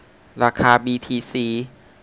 ราคาบีทีซี